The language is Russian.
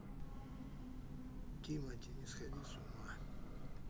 тимати не сходи с ума